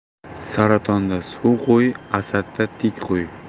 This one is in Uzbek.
saratonda suv qo'y asadda tek qo'y